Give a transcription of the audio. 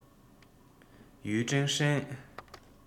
ཡུས ཀྲེང ཧྲེང